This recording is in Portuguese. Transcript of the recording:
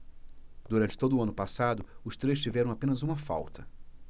durante todo o ano passado os três tiveram apenas uma falta